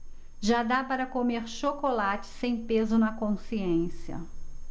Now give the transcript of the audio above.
já dá para comer chocolate sem peso na consciência